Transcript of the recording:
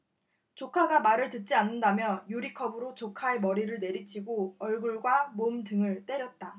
조카가 말을 듣지 않는다며 유리컵으로 조카의 머리를 내리치고 얼굴과 몸 등을 때렸다